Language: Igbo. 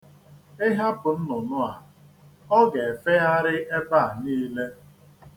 I hapụ nnụnụ a, ọ ga-efegharị ebe a niile.